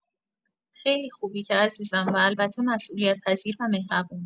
خیلی خوبی که عزیزم و البته مسئولیت‌پذیر و مهربون